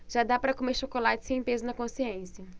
já dá para comer chocolate sem peso na consciência